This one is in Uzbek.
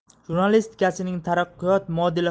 jurnalistikasining taraqqiyot modeli